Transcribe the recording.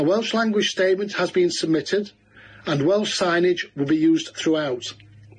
A Welsh language statement has been submitted, and Welsh signage will be used throughout.